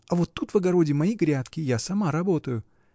— А вот тут в огороде мои грядки: я сама работаю.